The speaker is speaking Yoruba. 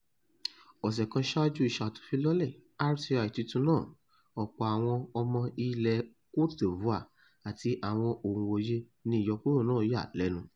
Ọ̀sẹ̀ kan ṣáájú ìṣàtúnfilọ́lẹ̀ RTI tuntun náà, ọ̀pọ̀ àwọn ọmọ ilẹ̀ Cote d'Ivoire àti àwọn òǹwòye ni ìyọkúrò náà yà lẹ́nu.